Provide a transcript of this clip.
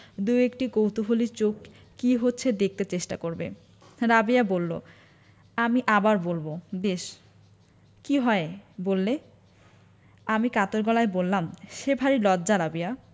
দুএকটি কৌতুহলী চোখ কি হচ্ছে দেখতে চেষ্টা করবে রাবেয়া বললো আমি আবার বলবো বেশ কি হয় বললে আমি কাতর গলায় বললাম সে ভারী লজ্জা রাবেয়া